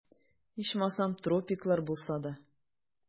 Ичмасам, тропиклар булса да...